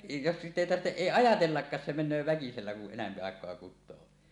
jos sitä ei tarvitse ei ajatellakaan se menee väkisellä kun enempi aikaa kutoo